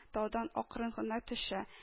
Таудан акрын гына төшә